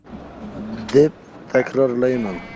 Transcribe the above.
deb takrorlayman